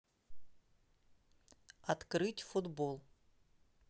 открыть футбол